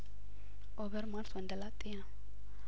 ኦቨርማርስ ወንደ ላጤ ነው